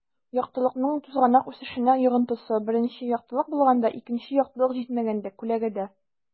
Яктылыкның тузганак үсешенә йогынтысы: 1 - якты булганда; 2 - яктылык җитмәгәндә (күләгәдә)